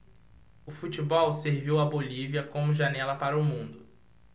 o futebol serviu à bolívia como janela para o mundo